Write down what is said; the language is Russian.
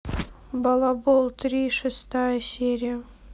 балабол три шестая серия